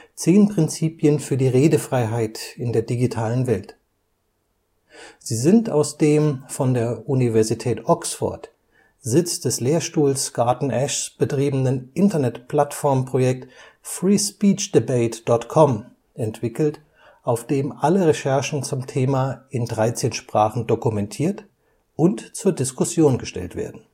zehn Prinzipien für die Redefreiheit in der digitalen Welt. Sie sind aus dem von der Universität Oxford, Sitz des Lehrstuhls Garton Ashs, betriebenen Internetplattform-Projekt freespeechdebate.com (dt. sinngemäß Freie Rede-Debatte) entwickelt, auf dem alle Recherchen zum Thema in dreizehn Sprachen dokumentiert und zur Diskussion gestellt werden